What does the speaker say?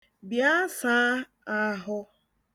Bịa saa ahụ